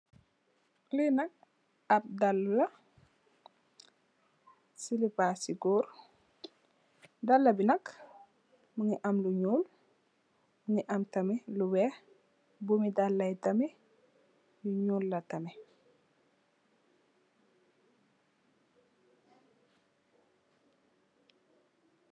Lee nak ab dalle la slippase goor dalla be nak muge am lu nuul muge am tamin lu weex bume dalla ye tamin lu nuul la tamin.